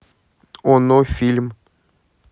оно фильм